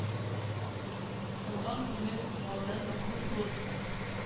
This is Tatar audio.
Сынган күңел, наздан мәхрүм булып,